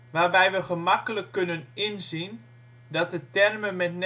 waarbij we makkelijk kunnen inzien dat de termen met